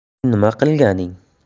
bu nima qilganing